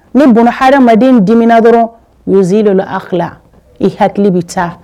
Ni bɔn hadamaden dimina dɔrɔn wo zi dɔ akila i hakili bɛ taa